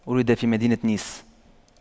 ولد في مدينة نيس